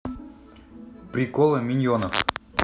приколы миньонов